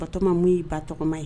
Ba tɔgɔma mun ye ba tɔgɔma ye